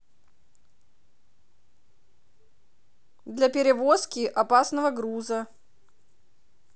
для перевозки опасного груза